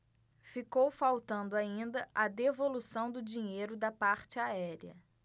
ficou faltando ainda a devolução do dinheiro da parte aérea